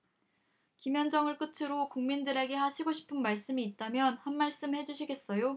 김현정 끝으로 국민들에게 하시고 싶은 말씀 있다면 한 말씀 해주시겠어요